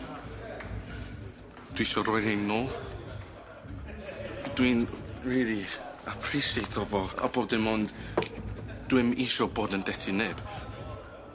Dwi isio rhoi rhein nôl. Dwi'n rili apresiato fo a bod dim ond dwi'm isio bod yn debt i neb.